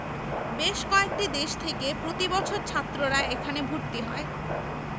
বেশ কয়েকটি দেশ থেকে প্রতি বছর ছাত্ররা এখানে ভর্তি হয়